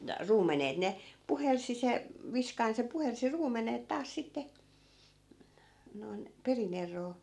ruumenet ne puhalsi se viskain se puhalsi ruumenet taas sitten noin perin eroon